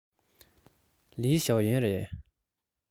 ལིའི ཞའོ ཡན རེད